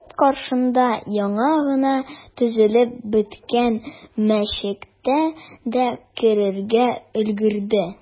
Йорт каршында яңа гына төзелеп беткән мәчеткә дә керергә өлгерде.